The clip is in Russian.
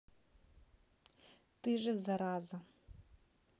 ты же зараза